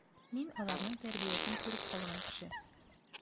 Мин аларның тәрбиясен күреп калган кеше.